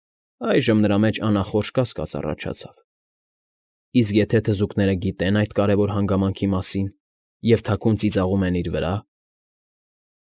Այժմ նրա մեջ անախորժ կասկած առաջացավ. իսկ եթե թզուկները գիտեն այդ կարևոր հանգամանքի մասին և թաքուն ծիծաղում են իր վրա՞։